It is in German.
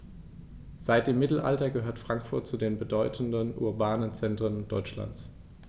Seit dem Mittelalter gehört Frankfurt zu den bedeutenden urbanen Zentren Deutschlands.